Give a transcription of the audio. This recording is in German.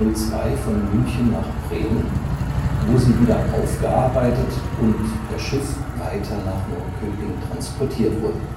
2702 von München nach Bremen, wo sie wieder aufgearbeitet und per Schiff weiter nach Norrköping transportiert wurden